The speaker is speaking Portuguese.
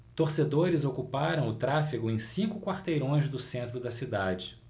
torcedores ocuparam o tráfego em cinco quarteirões do centro da cidade